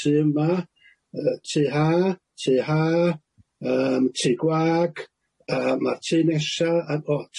tŷ yma yy tŷ ha tŷ ha yym tŷ gwag yy ma'r tŷ nesa yy o